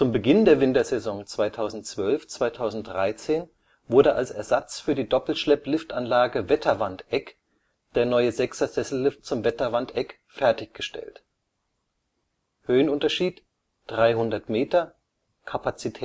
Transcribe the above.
Beginn der Wintersaison 2012/2013 wurde als Ersatz für die Doppelschleppliftanlage Wetterwandeck der neue 6er Sessellift zum Wetterwandeck fertiggestellt (Höhenunterschied: 300 Meter, Kapazität